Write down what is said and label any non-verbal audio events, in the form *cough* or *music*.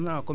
*hesitation* *hesitation*